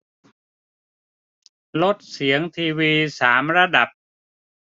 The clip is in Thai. ลดเสียงทีวีสามระดับ